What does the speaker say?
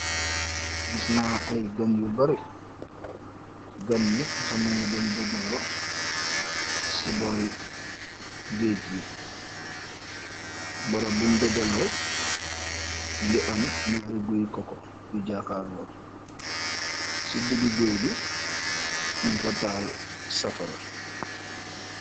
Gisna ay gan yu barri, ganni dafa melni deñ dajalu si bori gééj ngi. Barab buj dajalu mu ñgi am ñaari gui koko yu jarkarlu, si diggi gééw bi ñiñ fa tahal safara.